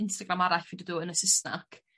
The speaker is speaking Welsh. Instagram arall yn y Sysnac